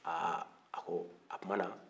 aa a ko o tuma na